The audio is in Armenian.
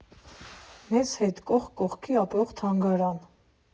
Մեզ հետ կողք կողքի ապրող թանգարան։